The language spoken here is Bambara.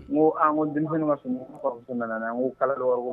Ko an ko denmisɛnnin ma sun nana n ko kala wɔɔrɔ